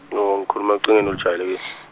oh ngikhuluma ocingweni olujwayelekile.